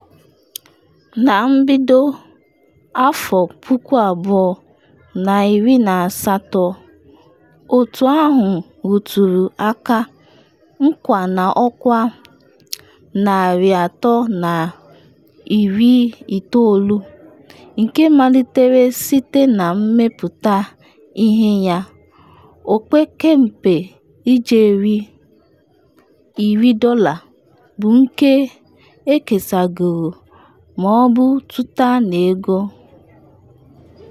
Na mbido 2018, otu ahụ rụtụrụ aka nkwa na ọkwa 390 nke malitere site na mmepụta ihe ya, opekempe ijeri $10 bụ nke ekesagoro ma ọ bụ tụta n’ego.